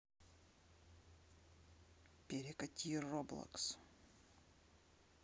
прекрати роблокс